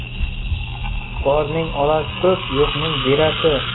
borning olasi ko'p yo'qning berasi